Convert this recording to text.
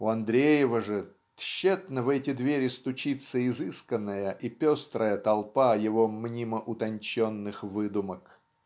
У Андреева же тщетно в эти двери стучится изысканная и пестрая толпа его мнимо-утонченных выдумок.